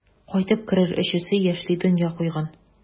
Кайтып керер өчесе яшьли дөнья куйган.